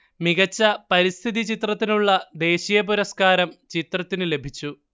മികച്ച പരിസ്ഥിതി ചിത്രത്തിനുള്ള ദേശീയപുരസ്കാരം ചിത്രത്തിനു ലഭിച്ചു